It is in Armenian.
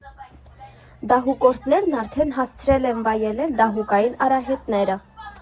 Դահուկորդներն արդեն հասցրել են վայելել դահուկային արահետները։